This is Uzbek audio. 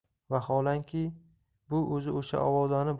vaholanki bu o'zi o'sha ovozani